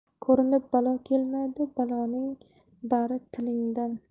ko'rinib balo kelmaydi baloning bari tilingdan